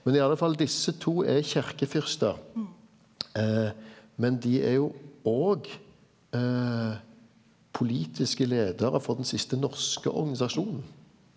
men i alle fall desse to er kyrkjefyrstar men dei er jo òg politiske leiarar for den siste norske organisasjonen.